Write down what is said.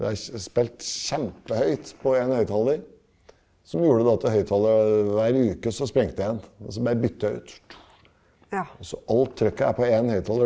det er spilt kjempehøyt på en høyttaler som gjorde da at høyttaleren, hver uke så sprengte jeg én og så ble den bytta ut, altså alt trykket er på en høyttaler.